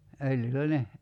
öljyllä ne